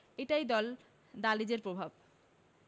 এটাই দলে দালিচের প্রভাব